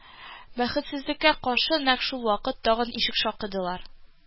Бәхетсезлеккә каршы, нәкъ шул вакыт тагын ишек шакыдылар